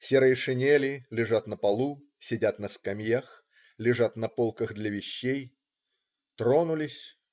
Серые шинели лежат на полу, сидят на скамьях, лежат на полках для вещей. Тронулись.